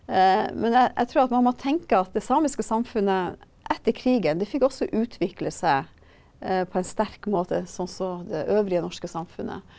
men jeg jeg trur at man må tenke at det samiske samfunnet etter krigen, det fikk også utvikle seg på en sterk måte sånn så det øvrige norske samfunnet.